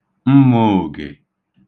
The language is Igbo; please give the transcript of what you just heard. mmōògè